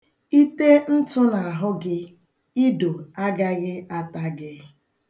Itee ntụ n'ahụ gị, ido agaghị ata gị.